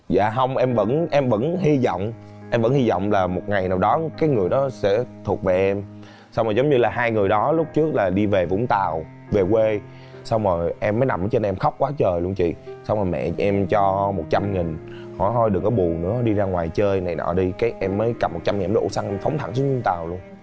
dạ hông em vẫn em vẫn hy vọng em vẫn hy vọng là một ngày nào đó cái người đó sẽ thuộc về em sao mà giống như là hai người đó lúc trước là đi về vũng tàu về quê xong rồi em mới nằm ở trên đây em khóc quá trời luôn chị xong rồi mẹ em cho một trăm nghìn hả thôi đừng có buồn nữa đi ra ngoài chơi này nọ đi cái em mới cầm một trăm ngàn em đổ xăng em phóng thẳng xuống vũng tàu luôn